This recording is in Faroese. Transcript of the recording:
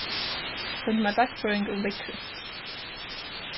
send mær dagføring um veðrið